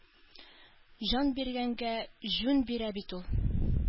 Җан биргәнгә җүн бирә бит ул.